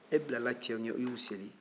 e bilala cɛw ɲɛ i y'u seli